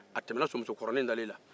a tɛmɛna somusokɔrɔnin dalen na